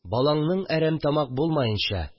Балаңның әрәмтамак булмаенча